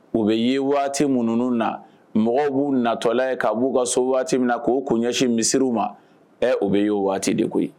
U bɛ ye waati minnuunu na mɔgɔ b'u natɔla ye' b'u ka so waati min k'o ko ɲɛsi misiw ma ɛ o bɛ y'o waati de koyi